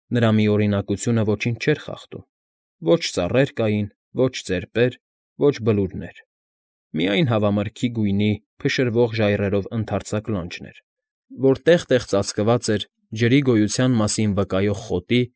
Նրա միօրինակությունը ոչինչ չէր խախտում. ոչ ծառեր կային, ոչ ծեպեր, ոչ բլուրներ, միայն հավամրգի գույնի փշրվող ժայռերով ընդարձակ լանջն էր, որ տեղ֊տեղ ծածկված էր ջրի գոյության մասին վկայող խոտի։